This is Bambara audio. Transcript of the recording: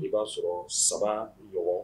I b'a sɔrɔ 3 ɲɔgɔn